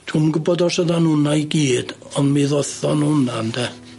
Dwi'm yn gwbod os oddan nw 'na i gyd ond mi ddothon nw yna ynde?